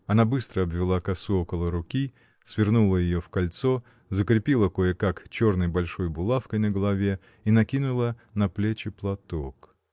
Она быстро обвила косу около руки, свернула ее в кольцо, закрепила кое-как черной большой булавкой на голове и накинула на плечи платок.